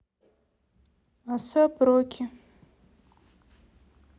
асап роки